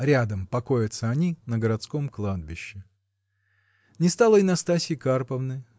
рядом покоятся они на городском кладбище. Не стало и Настасьи Карповны